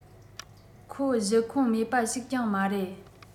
ཁོ གཞི ཁུངས མེད པ ཞིག ཀྱང མ རེད